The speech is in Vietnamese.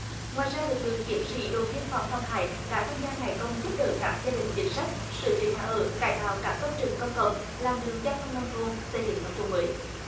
ngoài ra lực lượng chiến sĩ đồn biên phòng phong hải đã tham gia ngày công giúp đỡ các gia đình chính sách sửa chữa nhà ở cải tạo các công trình công cộng làm đường giao thông nông thôn xây dựng nông thôn mới